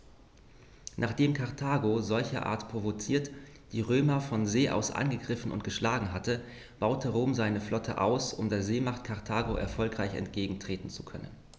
Nachdem Karthago, solcherart provoziert, die Römer von See aus angegriffen und geschlagen hatte, baute Rom seine Flotte aus, um der Seemacht Karthago erfolgreich entgegentreten zu können.